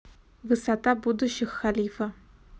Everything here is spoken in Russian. высота будущих халифа